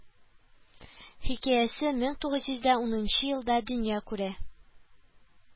Хикәясе мең тугыз йөз дә унынчы елда дөнья күрә